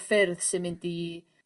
...ffyrdd sy mynd i